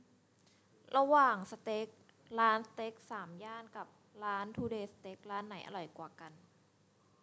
ระหว่างสเต็กร้านสเต็กสามย่านกับร้านทูเดย์สเต็กร้านไหนอร่อยกว่ากัน